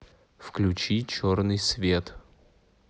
включи черный свет